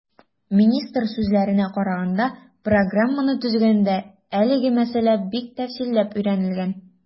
Министр сүзләренә караганда, программаны төзегәндә әлеге мәсьәлә бик тәфсилләп өйрәнелгән.